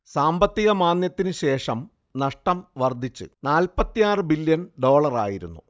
സാമ്പത്തിക മാന്ദ്യത്തിനുശേഷം നഷ്ടം വർധിച്ച് നാല്‍പ്പത്തിയാറ് ബില്യൺ ഡോളറായിരുന്നു